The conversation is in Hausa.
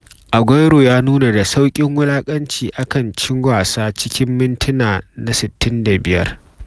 Aguero ya nuna da saukin wulakanci a kan cin nasa cikin mintina na 65.